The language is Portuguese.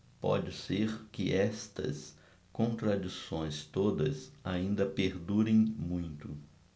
pode ser que estas contradições todas ainda perdurem muito